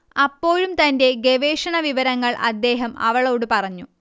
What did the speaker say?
അപ്പോഴും തന്റെ ഗവേഷണവിവരങ്ങൾ അദ്ദേഹം അവളോട് പറഞ്ഞു